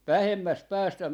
vähemmästä päästä